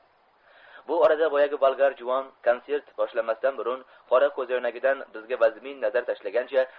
bu orada boyagi bolgar juvon kontsert boshlanmasdan bumn qora ko'zoynagidan bizga vazmin nazar tashlagancha